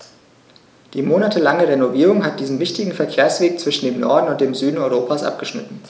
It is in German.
Die monatelange Renovierung hat diesen wichtigen Verkehrsweg zwischen dem Norden und dem Süden Europas abgeschnitten.